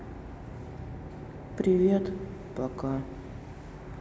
привет пока